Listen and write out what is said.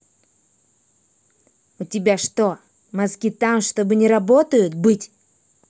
у тебя что мозги там чтобы не работают быть